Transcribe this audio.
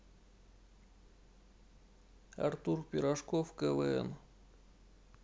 артур пирожков квн